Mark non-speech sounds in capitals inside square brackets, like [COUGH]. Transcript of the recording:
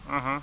[HESITATION] [HESITATION]